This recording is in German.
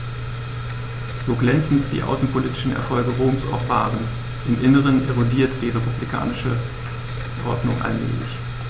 So glänzend die außenpolitischen Erfolge Roms auch waren: Im Inneren erodierte die republikanische Ordnung allmählich.